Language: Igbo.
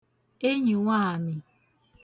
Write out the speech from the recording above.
enyì nwaàmị̀